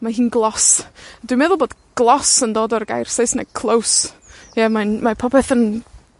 Mae hi'n glos. Dwi'n meddwl bod glos yn dod o'r gair Saesneg close. Ie mae'n mae popeth yn